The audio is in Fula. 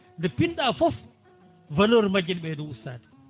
nde pinɗa foof valeur majje ne ɓeydo ustate